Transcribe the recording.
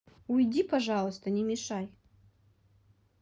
уйди пожалуйста не мешай